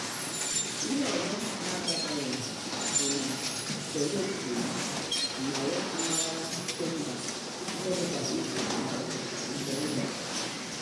Ihe ọzọ na adabaghị bụ na Tellis kwuru na ya amarala Chambers ihe dị ka izu abụọ mgbe ọ nwụrụ.